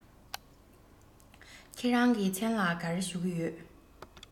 ཁྱེད རང གི མཚན ལ ག རེ ཞུ གི ཡོད